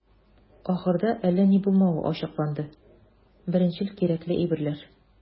Ахырда, әллә ни булмавы ачыкланды - беренчел кирәкле әйберләр.